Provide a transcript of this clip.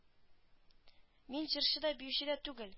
Мин җырчы да биюче дә түгел